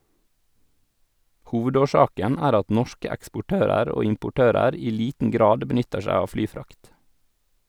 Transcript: Hovedårsaken er at norske eksportører og importører i liten grad benytter seg av flyfrakt.